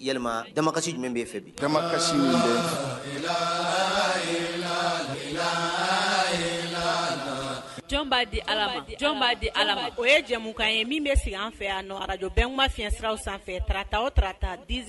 Yɛlɛma dama kasisi jumɛn bɛ fɛ jɔn'a di jɔn'a di ala o ye jɛmukan ye min bɛ sigi an fɛ a araj bɛnma fi fiɲɛ siraraw sanfɛ tarata o tata dz